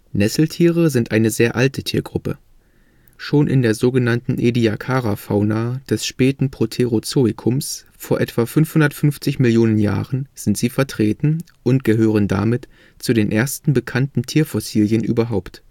Nesseltiere sind eine sehr alte Tiergruppe. Schon in der so genannten Ediacara-Fauna des späten Proterozoikums vor etwa 550 Millionen Jahren sind sie vertreten und gehören damit zu den ersten bekannten Tierfossilien überhaupt